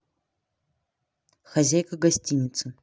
хозяйка гостиницы